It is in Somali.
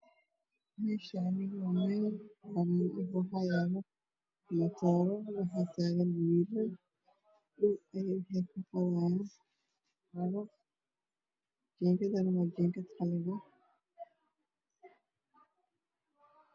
Meeshaani waxaa taagan wiil waa jeegad cad ah